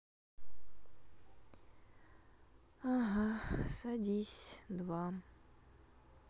ага садись два